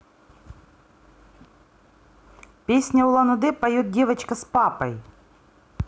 песня улан удэ поет девочка с папой